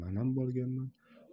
manam borganman